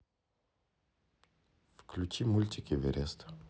включи мультик эверест